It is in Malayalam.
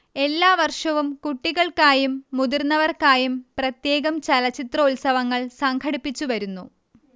എല്ലാ വർഷവും കുട്ടികൾക്കായും മുതിർന്നവർക്കായും പ്രത്യേകം ചലച്ചിത്രോത്സവങ്ങൾ സംഘടിപ്പിച്ചുവരുന്നു